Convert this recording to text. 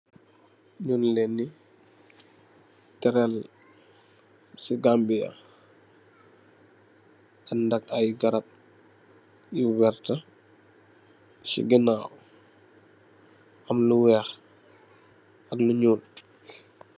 Nung leen ni teral ci Gambia, andat ay garab yu vert ci gannaw am lu weeh ak lu ñuul.